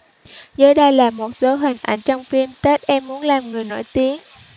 dưới đây là một số hình ảnh trong phim tết em muốn làm người nổi tiếng